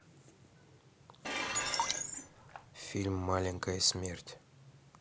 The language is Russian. фильм маленькая смерть